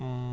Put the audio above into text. hum